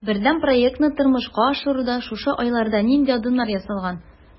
Бердәм проектны тормышка ашыруда шушы айларда нинди адымнар ясалган?